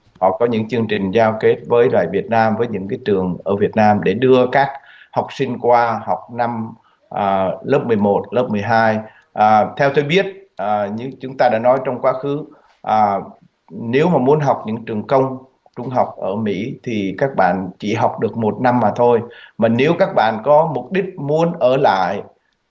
họ có những chương trình giao kết với lại việt nam với những cái trường ở việt nam để đưa các học sinh qua hoặc năm ở lớp mười một lớp mười hai à theo tôi biết ở như chúng ta đã nói trong quá khứ à nếu mà muốn học những trường công trung học ở mỹ thì các bạn chỉ học được một năm mà thôi mà nếu các bạn có mục đích muốn ở lại